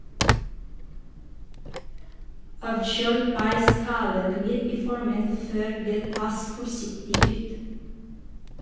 Avkjøl pai-skallet litt i formen før det tas forsiktig ut.